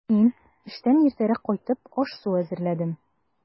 Мин, эштән иртәрәк кайтып, аш-су әзерләдем.